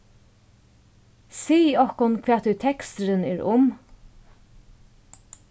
sig okkum hvat ið teksturin er um